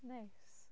Neis.